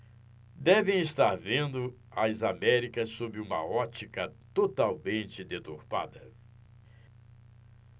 devem estar vendo as américas sob uma ótica totalmente deturpada